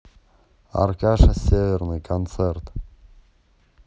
аркаша северный концерт